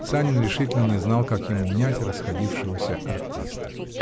Санин решительно не знал, как ему унять расходившегося артиста.